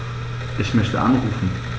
Ich möchte anrufen.